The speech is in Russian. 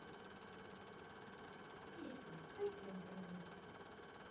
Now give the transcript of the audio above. песня выпьем за любовь